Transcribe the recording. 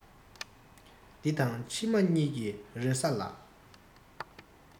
འདི དང ཕྱི མ གཉིས ཀྱི རེ ས ལ